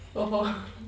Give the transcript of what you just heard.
Ohoh